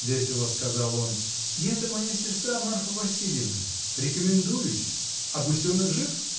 — весело сказал он, — и это моя сестра Марфа Васильевна! Рекомендуюсь! А гусенок жив?